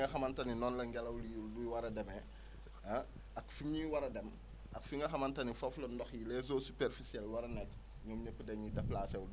ni nga xamante ni noonu la ngelaw li di war a demee ah ak fi muy war a dem ak fi nga xamante ni foofu la ndox mi les eaux superficielles war a nekk ñoon ñëpp dañuy deplécé wu